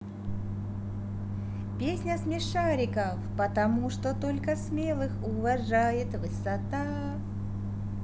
песня смешариков потому что только смелых уважает высота